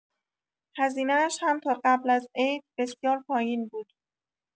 هزینه‌اش هم تا قبل از عید بسیار پایین بود